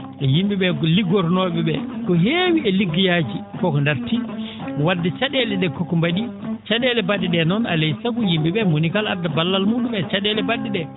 yim?e ?e ko liggotonoo?e ?e ko heewi e liggeyaaji ko ko ndartii wadde ca?eele ?ee ko ko mba?i ca?eele mba??e ?ee noon alaa e sago yim?e ?ee mo woni kala adda ballal mum e ca?eele mba??e ?ee